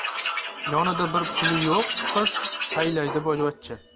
yonida bir puli yo'q qiz saylaydi boyvachcha